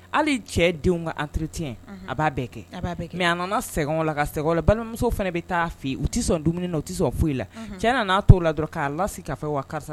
Hali cɛ denw ka an tiriti a b'a bɛɛ kɛ aa mɛ a nana sɛgɛn la ka segin la balimamuso fana bɛ taa fɔ u tɛ sɔn dumuni na o tɛ sɔn foyi i la cɛ nana' t to o la dɔrɔn k'a la se' fɛ wa